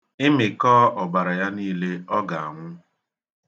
I mikọọ ọbara ya niile ọ ga-anwu.